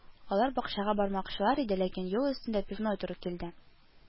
Алар бакчага бармакчылар иде, ләкин юл өстендә пивной туры килде